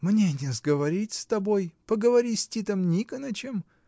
Мне не сговорить с тобой — поговори с Титом Никонычем.